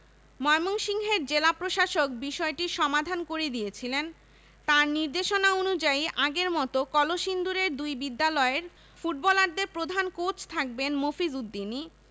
ময়মনসিংহের জেলা প্রশাসক বিষয়টির সমাধান করে দিয়েছিলেন তাঁর নির্দেশনা অনুযায়ী আগের মতো কলসিন্দুরের দুই বিদ্যালয়ের ফুটবলারদের প্রধান কোচ থাকবেন মফিজ উদ্দিনই